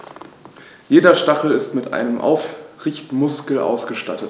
Jeder Stachel ist mit einem Aufrichtemuskel ausgestattet.